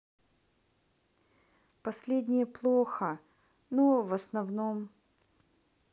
последнее плохо но в основном